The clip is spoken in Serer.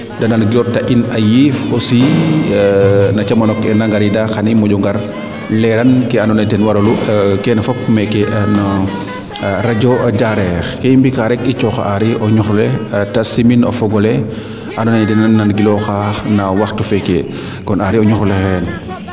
de nan gioox ta in a yiif aussi no camano kene i ngaridaa xan i moƴo ngar leeran kee ando naye ten waralu keene fop meeke no radio Diarekh ke i mbika rek i cooxa Heuri o ñuxrole te simin o fogole ando naye dena na gilooxa no waxtu feeke kon Henri a ñuxrole xay xeeke